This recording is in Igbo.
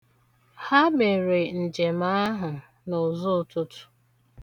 Ha mere njem ahụ n'ụzọụtụtụ.